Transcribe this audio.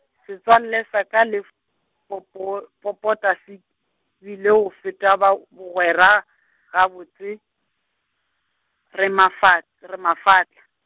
setswalle sa ka le f-, popo- Popota se, tiile go feta ba bogwera, gabotse, re mafat-, re mafahla.